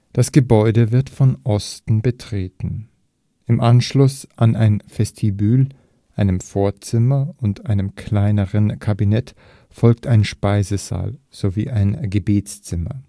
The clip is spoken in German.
Das Gebäude wird von Osten betreten. Im Anschluss an ein Vestibül, einem Vorzimmer und einem kleinen Kabinett folgt ein Speisesaal sowie ein Gebetszimmer